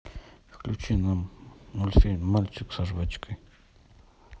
включи нам мультфильм мальчик с жвачкой